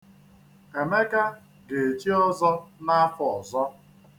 Emeka ga-echi ọzọ n'afọ ọzọ.